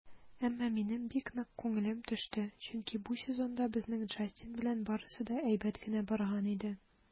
Әмма минем бик нык күңелем төште, чөнки бу сезонда безнең Джастин белән барысы да әйбәт кенә барган иде.